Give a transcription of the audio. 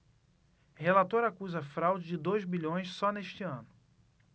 relator acusa fraude de dois bilhões só neste ano